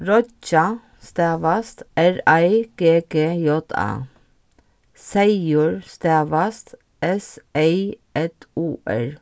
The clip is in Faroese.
reiggja stavast r ei g g j a seyður stavast s ey ð u r